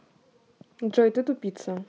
джой ты тупица